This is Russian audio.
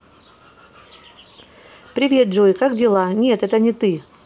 привет джой как дела нет это не то